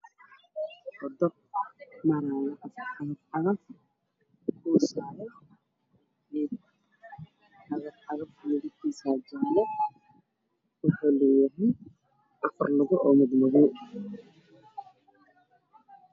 Waa wado waxaa maraayo afar cagaf cagaf waxaa saaran ciid midabkiisu waa jaale waxuu leeyahay afar lugo oo madow ah.